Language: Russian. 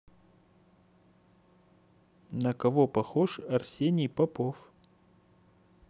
на кого похож арсений попов